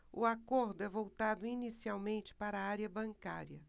o acordo é voltado inicialmente para a área bancária